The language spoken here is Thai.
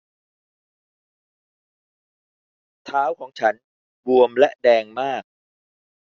เท้าของฉันบวมและแดงมาก